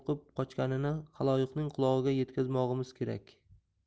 qochganini xaloyiqning qulog'iga yetkazmog'imiz kerak